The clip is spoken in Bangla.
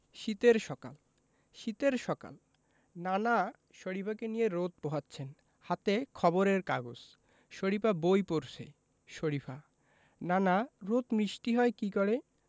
শীতের সকাল শীতের সকাল নানা শরিফাকে নিয়ে রোদ পোহাচ্ছেন হাতে খবরের কাগজ শরিফা বই পড়ছে শরিফা নানা রোদ মিষ্টি হয় কী করে